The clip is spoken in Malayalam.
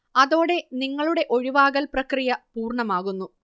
അതോടെ നിങ്ങളുടെ ഒഴിവാകൽ പ്രക്രിയ പൂർണ്ണമാകുന്നു